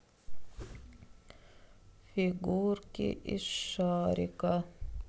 фигурки из шарика